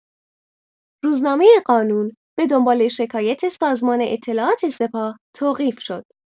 روزنامه قانون به دنبال شکایت سازمان اطلاعات سپاه توقیف شد.